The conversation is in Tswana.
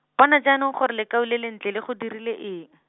bona jaanong gore lekau le lentle le go dirile eng.